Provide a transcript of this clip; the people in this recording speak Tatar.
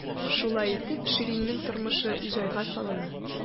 Шулай итеп, Ширинның тормышы җайга салына.